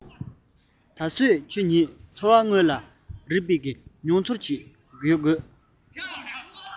ད བཟོད ཁྱོད ཉིད ཚོར བ དངོས ལ རེག པའི མྱོང བྱང དང